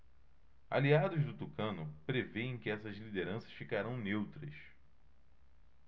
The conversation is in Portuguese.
aliados do tucano prevêem que essas lideranças ficarão neutras